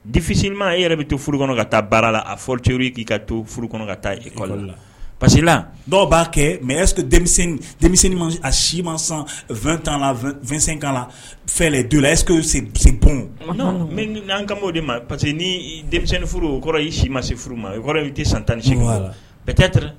Difisima e yɛrɛ bɛ to furu kɔnɔ ka taa baara la a fɔ k'i ka to furu kɔnɔ ka taa kɔ la parcesi la dɔw b'a kɛ mɛ a si ma san2tan2sen na fɛ don la esesinp' an ka o de ma parce que ni denmisɛnnin furu o kɔrɔ i si masin furu ma o kɔrɔ tɛ san tan nisin bɛɛtɛ